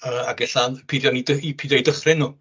Yy ac ella yn pidio yn eu peidio eu dychryn nhw.